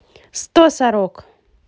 сто сорок